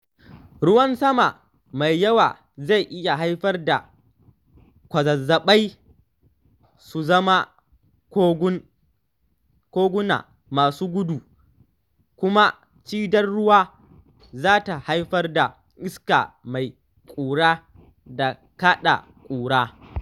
Ruwan sama mai yawa zai iya haifar da kwazazzaɓai su zama koguna masu gudu kuma cidar ruwa za ta haifar da iska mai ƙura da kaɗa ƙura.